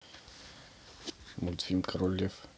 мультфильм король лев